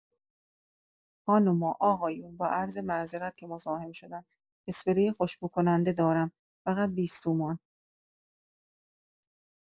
خانما آقایون، با عرض معذرت که مزاحم شدم، اسپری خوشبوکننده دارم، فقط بیست تومن!